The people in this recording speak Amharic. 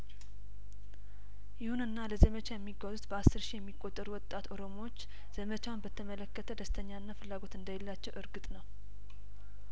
ይሁንና ለዘመቻ የሚጓዙት በአስር ሺ የሚቆጠሩት ወጣት ኦሮሞዎች ዘመቻውን በተመለከተ ደስተኛና ፍላጐት እንደሌላቸው እርግጥ ነው